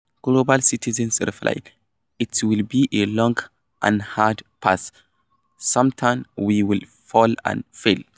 Global citizen replied: "It'll be a long and hard path - sometimes we will fall and fail.